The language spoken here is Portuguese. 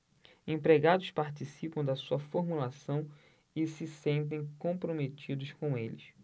empregados participam da sua formulação e se sentem comprometidos com eles